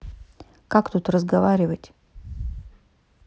как тут разговаривать